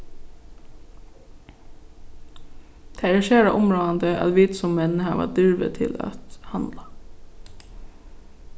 tað er sera umráðandi at vit sum menn hava dirvi til at handla